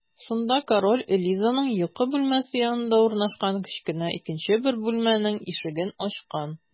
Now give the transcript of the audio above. Шунда король Элизаның йокы бүлмәсе янында урнашкан кечкенә икенче бер бүлмәнең ишеген ачкан.